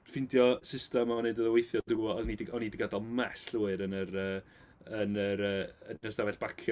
Ffeindio system o wneud iddo weithio. o'n i 'di o'n i 'di gadael mess llwyr yn yr yy yn yr yy yr ystafell bacio.